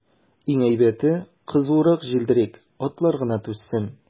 Иң әйбәте, кызурак җилдерик, атлар гына түзсен.